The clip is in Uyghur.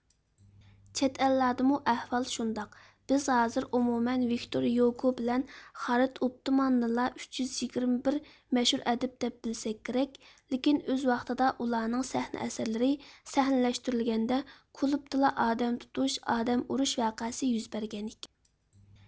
چەت ئەللەردىمۇ ئەھۋال شۇنداق بىز ھازىر ئومۇمەن ۋىكتور ھىيوگو بىلەن خارت ئۇپتىماننىلا ئۈچ يۈز يىگىرمە بىر مەشھۇر ئەدىب دەپ بىلسەك كېرەك لېكىن ئۆز ۋاقتىدا ئۇلارنىڭ سەھنە ئەسەرلىرى سەھنىلەشتۈرۈلگەندە كۇلۇبتىلا ئادەم تۇتۇش ئادەم ئۇرۇش ۋەقەسى يۈز بەرگەنىكەن